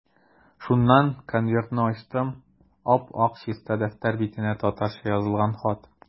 Шуннан конвертны ачтым, ап-ак чиста дәфтәр битенә татарча язылган хат.